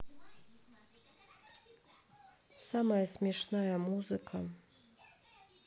самая смешная музыка